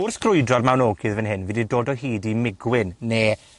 Wrth grwydro'r mawnogydd fan hyn, fi 'di dod o hyd i migwyn, ne'